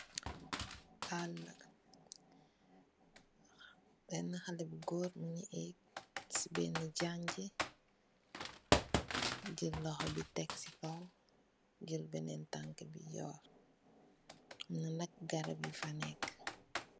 Arleh bena haleh bu gorr Mungi ach sey beni janji jel loho bi tek sey kawaw jel benen tanki bi yorr am nak garam sufa neki.